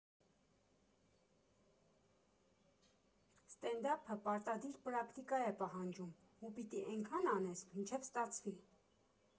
Ստենդափը պարտադիր պրակտիկա է պահանջում, ու պիտի էնքան անես, մինչև ստացվի։